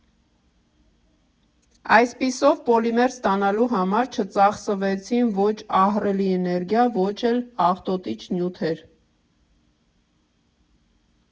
Այսպիսով, պոլիմեր ստանալու համար չծախսվեցին ո՛չ ահռելի էներգիա, ո՛չ էլ աղտոտիչ նյութեր։